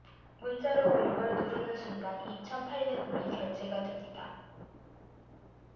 문자로 온 걸 누르는 순간 이천 팔백 불이 결제가 됩니다